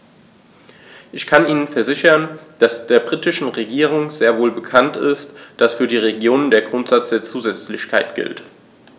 Ich kann Ihnen versichern, dass der britischen Regierung sehr wohl bekannt ist, dass für die Regionen der Grundsatz der Zusätzlichkeit gilt.